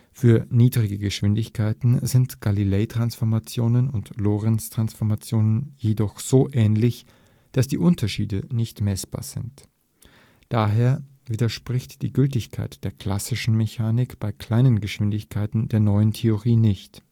Für niedrige Geschwindigkeiten sind Galileitransformationen und Lorentztransformationen jedoch so ähnlich, dass die Unterschiede nicht messbar sind. Daher widerspricht die Gültigkeit der klassischen Mechanik bei kleinen Geschwindigkeiten der neuen Theorie nicht